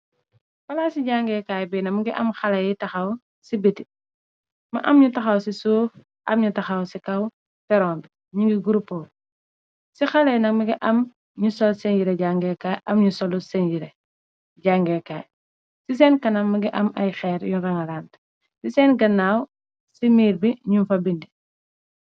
Plaasi jangeekaay bi nak mi ngi am xale yi taxaw ci biti, mu am ñu taxaw ci suuf, am ñu taxaw ci kaw peron bi ñu ngi groppo, ci xalee yi nak mingi am ñu sol seen yire jangeekaay, am ñu solut seen yire jangekaay, si seen kanam mingi am ay xeer yu rangalante, ci seen gannaaw ci miir bi ñu fa bindi.